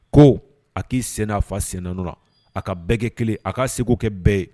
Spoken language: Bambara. Ko a ki sen da a fa sen da nɔn na. A ka bɛɛ kɛ kelen a ka se ko kɛ bɛɛ ye.